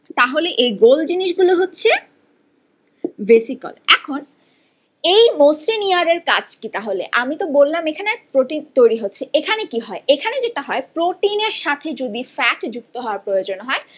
তাহলে গোল জিনিস গুলো হচ্ছে ভেসিকল এখন এই মসৃণ ই আর এর কাজ কি আমি তো বললাম এখানে প্রোটিন তৈরি হচ্ছে এখানে কি হয় এখানে যেটা হয় প্রোটিনের সাথে যদি ফ্যাট যুক্ত হওয়ার প্রয়োজন হয়